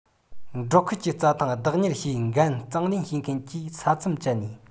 འབྲོག ཁུལ གྱི རྩྭ ཐང བདག གཉེར བྱེད འགན གཙང ལེན བྱེད མཁན གྱིས ས མཚམས བཅད ནས